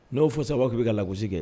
N'o fɔ sisan u b'a fɔ k'i bɛ ka lagosi kɛ